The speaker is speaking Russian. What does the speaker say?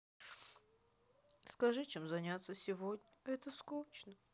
скажи чем заняться сегодня это скучно